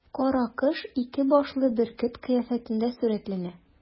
Каракош ике башлы бөркет кыяфәтендә сурәтләнә.